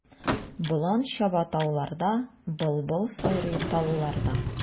Болан чаба тауларда, былбыл сайрый талларда.